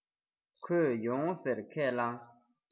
ཁོས ཡོང ཟེར ཁས བླངས